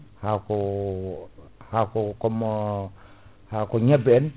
haako haako comme haako ñebbe en